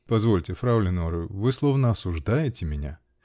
-- Позвольте, фрау Леноре, вы словно осуждаете меня.